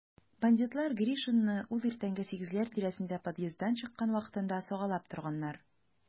Бандитлар Гришинны ул иртәнге сигезләр тирәсендә подъезддан чыккан вакытында сагалап торганнар.